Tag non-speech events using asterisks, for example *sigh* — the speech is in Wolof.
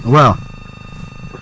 waaw *noise*